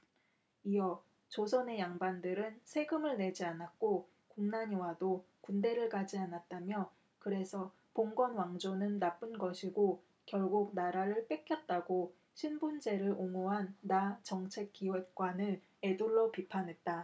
이어 조선의 양반들은 세금을 내지 않았고 국난이 와도 군대를 가지 않았다며 그래서 봉건왕조는 나쁜 것이고 결국 나라를 뺏겼다고 신분제를 옹호한 나 정책기획관을 에둘러 비판했다